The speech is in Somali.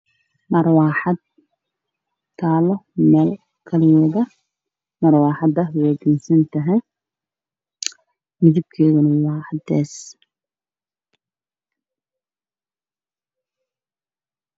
Waa marawad taalo meel kaligeeda, marawaxada waa dansan tahay midabkeedu waa cadeys.